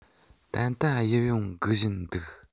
ཏན ཏན ཡམ ཡོམ འགུལ བཞིན འདུག